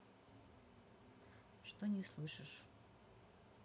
что не слышишь